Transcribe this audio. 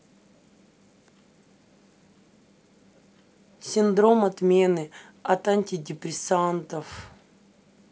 синдром отмены от антидепрессантов